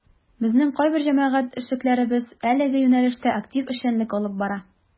Безнең кайбер җәмәгать эшлеклеләребез әлеге юнәлештә актив эшчәнлек алып бара.